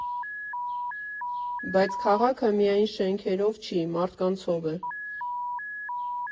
Բայց քաղաքը միայն շենքերով չի՝ մարդկանցով է։